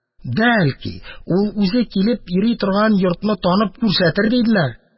Бәлки, ул үзе килеп йөри торган йортны танып күрсәтер, диделәр.